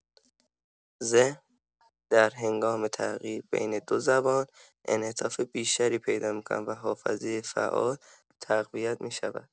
ذهن در هنگام تغییر بین دو زبان، انعطاف بیشتری پیدا می‌کند و حافظه فعال تقویت می‌شود.